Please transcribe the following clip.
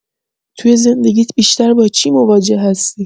توی زندگیت بیشتر با چی مواجه هستی؟